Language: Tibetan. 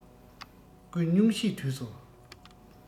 སྐུ སྙུང གཞེས དུས སུ